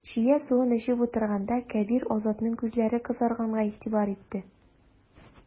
Чия суын эчеп утырганда, Кәбир Азатның күзләре кызарганга игътибар итте.